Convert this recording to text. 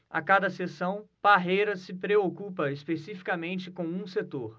a cada sessão parreira se preocupa especificamente com um setor